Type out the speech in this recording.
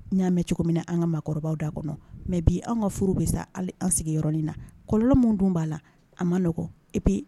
N y'a mɛn cogo min na an ka maakɔrɔba'a kɔnɔ mɛ bi an ka furu bɛ sa an sigi yɔrɔin na kɔlɔnlɔ minnu tun b'a la a ma nɔgɔɔgɔ ep